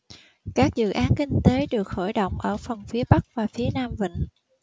các dự án kinh tế được khởi động ở phần phía bắc và phía nam vịnh